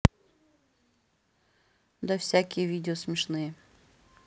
да всякие видео смешные